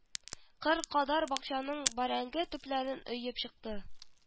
Кыр кадәр бакчаның бәрәңге төпләрен өеп чыкты